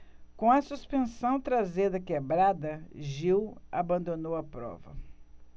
com a suspensão traseira quebrada gil abandonou a prova